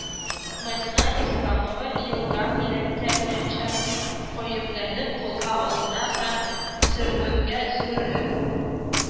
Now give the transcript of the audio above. Мәдинә Исламова елда милләте буенча дип гаепләнеп кулга алына һәм сөргенгә сөрелә